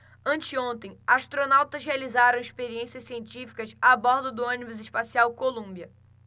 anteontem astronautas realizaram experiências científicas a bordo do ônibus espacial columbia